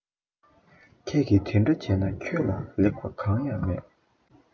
ཁྱེད ཀྱི འདི འདྲ བྱས ན ཁྱོད ལ ལེགས པ གང ཡང མེད